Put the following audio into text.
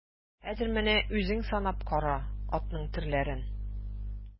Хәзер менә үзең санап кара атның төрләрен.